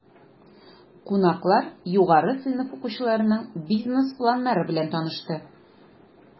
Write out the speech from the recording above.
Кунаклар югары сыйныф укучыларының бизнес планнары белән танышты.